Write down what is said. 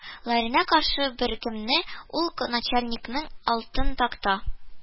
Ләренә каршы беркөнне ул аңа начальникның алтын такта